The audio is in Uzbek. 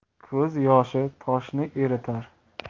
ko'z yoshi toshni eritar